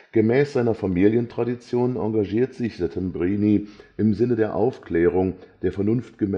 Gemäß seiner Familientradition engagiert sich Settembrini im Sinne „ der Aufklärung, der vernunftgemäßen